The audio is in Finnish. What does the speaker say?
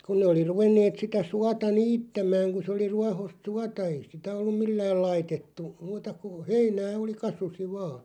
kun ne oli ruvenneet sitä suota niittämään kun se oli ruohoista suota ei sitä ollut millään laitettu muuta kuin heinää oli kasvoi vain